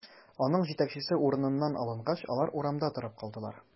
Аның җитәкчесе урыныннан алынгач, алар урамда торып калдылар.